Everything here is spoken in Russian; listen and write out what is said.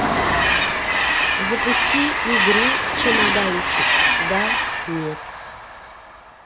запусти игру чемоданчик да нет